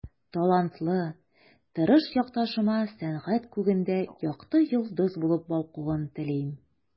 Талантлы, тырыш якташыма сәнгать күгендә якты йолдыз булып балкуын телим.